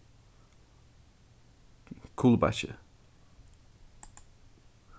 kulibakki